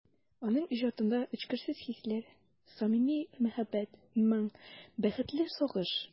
Аның иҗатында эчкерсез хисләр, самими мәхәббәт, моң, бәхетле сагыш...